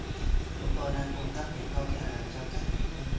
chúng tôi đang cung cấp những câu trả lời trong các kì thi